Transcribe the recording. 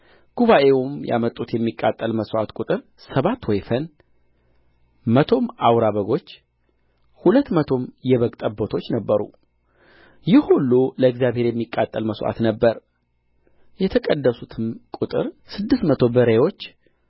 ጉባኤውም ያመጡት የሚቃጠል መሥዋዕት ቍጥር ሰባ ወይፈን መቶም አውራ በጎች ሁለት መቶም የበግ ጠቦቶች ነበረ ይህ ሁሉ ለእግዚአብሔር የሚቃጠል መሥዋዕት ነበረ የተቀደሱትም ቍጥር ስድስት መቶ በሬዎች